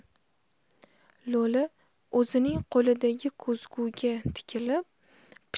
lo'li o'zining qo'lidagi ko'zguga tikilib